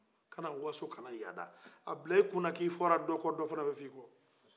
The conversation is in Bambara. ka na waso ka na yada a bila i kunna ko i fɔra dɔ kɔ dɔ fana bɛ fɔ i kɔ